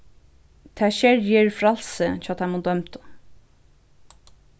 tað skerjir frælsið hjá teimum dømdu